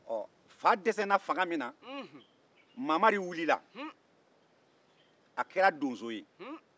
fa dɛsɛnna fanga min na mamari wulila a kɛra donso ye